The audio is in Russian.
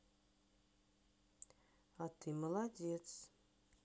а ты молодец